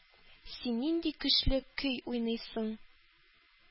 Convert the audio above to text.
Син нинди көчле көй уйныйсың,